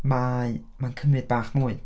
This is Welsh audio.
..mae... mae'n cymryd bach mwy.